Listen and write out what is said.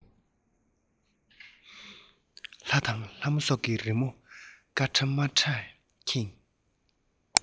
ལྷ དང ལྷ མོ སོགས ཀྱི རི མོ དཀར ཁྲ དམར ཁྲས ཁེངས